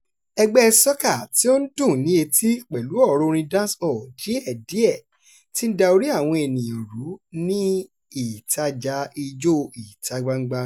Ègbé soca tí ó dùn ní etí, pẹ̀lú ọ̀rọ̀ orin dancehall díẹ̀díẹ̀, ti ń da orí àwọn ènìyàn rú ní ìtaja Ijó ìta-gbangba.